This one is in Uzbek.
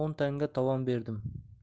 o'n tanga tovon berdim